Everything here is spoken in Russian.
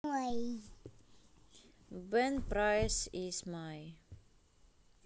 ben pearce is my